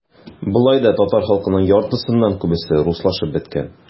Болай да татар халкының яртысыннан күбесе - руслашып беткән.